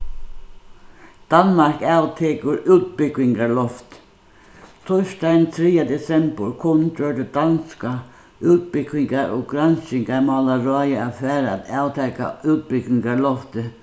danmark avtekur útbúgvingarloft týsdagin triðja desembur kunngjørdi danska útbúgvingar- og granskingarmálaráðið at fara at avtaka útbúgvingarloftið